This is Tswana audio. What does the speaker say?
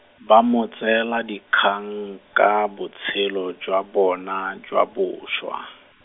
ba mo tseela dikgang ka botshelo jwa bona jwa bošwa.